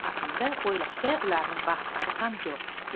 men haqimda o'ylashga ularning vaqtlari ham yo'q